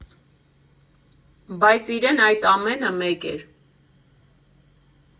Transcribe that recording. Բայց իրեն այդ ամենը մեկ էր։